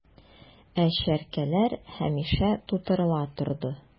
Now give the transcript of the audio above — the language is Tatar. Ә чәркәләр һәмишә тутырыла торды...